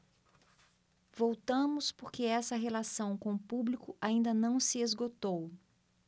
voltamos porque essa relação com o público ainda não se esgotou